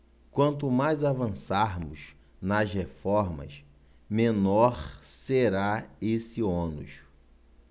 quanto mais avançarmos nas reformas menor será esse ônus